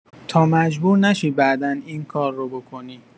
تا مجبور نشی بعدا این کار رو بکنی!